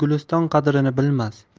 guliston qadrini bilmas